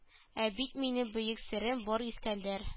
Ә бит минем бөек серем бар искәндәр